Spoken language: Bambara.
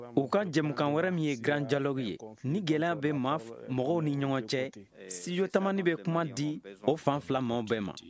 u ka jɛmukan wɛrɛ min ye grand dialogue ye ni gɛlɛya bɛ maa u ni ɲɔgɔn cɛ studio tamani bɛ kuma di o fan filamanw bɛɛ ma